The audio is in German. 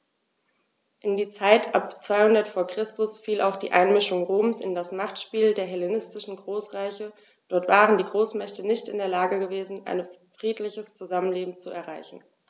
In die Zeit ab 200 v. Chr. fiel auch die Einmischung Roms in das Machtspiel der hellenistischen Großreiche: Dort waren die Großmächte nicht in der Lage gewesen, ein friedliches Zusammenleben zu erreichen.